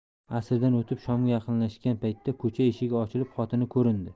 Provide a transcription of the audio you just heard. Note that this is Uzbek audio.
asrdan o'tib shomga yaqinlashgan paytda ko'cha eshigi ochilib xotini ko'rindi